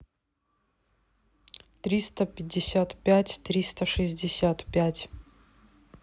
триста пятьдесят пять триста шестьдесят пять